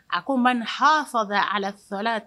A ko ma ni h fa bɛ ala fɔlɔ